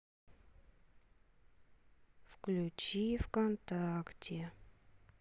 включи вконтакте